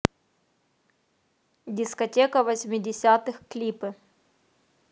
дискотека восьмидесятых клипы